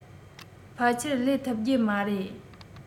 ཕལ ཆེལ ལས ཐུབ རྒྱུ མ རེད